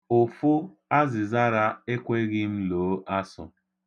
Ụfụ azịzara ekweghị m loo asụ.